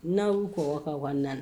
Na' kɔ ka wa na